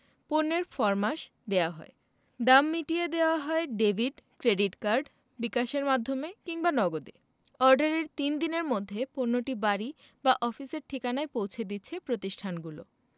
পণ্যের ফরমাশ দেওয়া হয় দাম মিটিয়ে দেওয়া হয় ডেভিড ক্রেডিট কার্ড বিকাশের মাধ্যমে কিংবা নগদে অর্ডারের তিন দিনের মধ্যে পণ্যটি বাড়ি বা অফিসের ঠিকানায় পৌঁছে দিচ্ছে প্রতিষ্ঠানগুলো